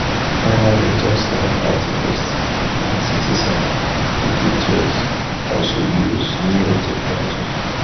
Finally, just like activists and citizens, dictators also use new technology.